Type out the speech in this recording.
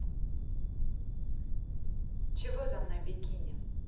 чего за мной бикини